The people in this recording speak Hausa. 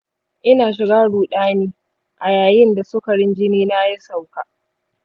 ina shiga ruɗani a yayin da sukarin jinina ya sauka.